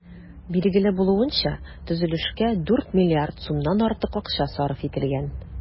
Билгеле булуынча, төзелешкә 4 миллиард сумнан артык акча сарыф ителгән.